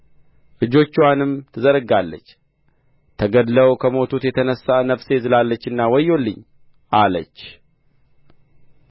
እጆችዋንም ትዘረጋለችና ተገድለው ከሞቱት የተነሣ ነፍሴ ዝላለችና ወዮልኝ አለች